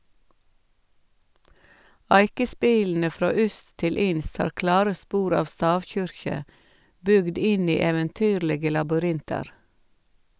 Eikespilene frå ytst til inst har klare spor av stavkyrkje, bygd inn i eventyrlege labyrintar.